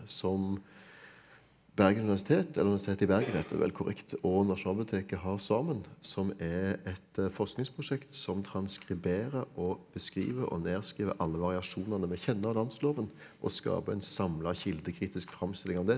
som Bergen universitet eller Universitetet i Bergen heter det vel korrekt og Nasjonalbiblioteket har sammen som er et forskningsprosjekt som transkriberer og beskriver og nedskriver alle variasjonene vi kjenner av landsloven og skaper en samla kildekritisk framstilling av det.